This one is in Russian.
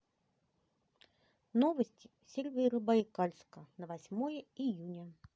новости северобайкальска на восьмое июня